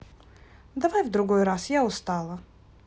давай в другой раз я устала